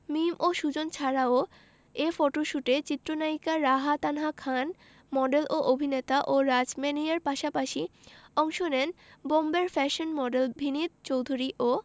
মিম ও সুজন ছাড়াও এ ফটোশ্যুটে চিত্রনায়িকা রাহা তানহা খান মডেল ও অভিনেতা ও রাজ ম্যানিয়ার পাশাপাশি অংশ নেন বোম্বের ফ্যাশন মডেল ভিনিত চৌধুরী ও